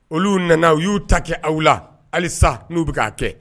Olu nana u y'u ta kɛ aw la halisa n'u bɛ k' kɛ